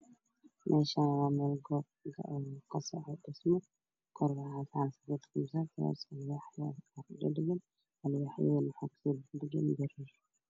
Meshan waa goob ka socdo dhismo alwaax wayn ayaa yala